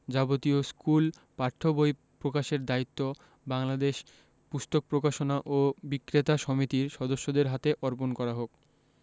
যাবতীয় স্কুল পাঠ্য বই প্রকাশের দায়িত্ব বাংলাদেশ পুস্তক প্রকাশনা ও বিক্রেতা সমিতির সদস্যদের হাতে অর্পণ করা হোক